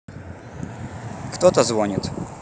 кто то звонит